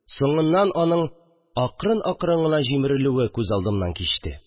Соңыннан аның акрын-акрын гына җимерелүе күз алдымнан кичте